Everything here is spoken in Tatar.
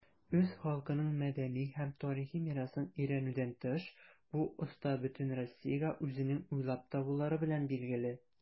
Үз халкының мәдәни һәм тарихи мирасын өйрәнүдән тыш, бу оста бөтен Россиягә үзенең уйлап табулары белән билгеле.